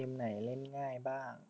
เกมไหนเล่นง่ายบ้าง